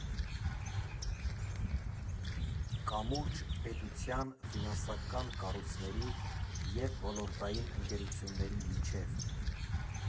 Կամուրջ պետության, ֆինանսական կառույցների և ոլորտային ընկերությունների միջև։